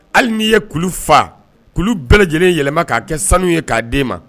Hali n'i ye kulu fa, kulu bɛɛ lajɛlen yɛlɛma k'a kɛ sanu ye k'a d'e ma